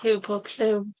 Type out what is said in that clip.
Huw pob lliw.